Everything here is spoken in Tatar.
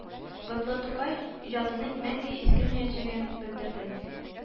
Габдулла Тукай иҗатының мәңге искермәячәген белдерде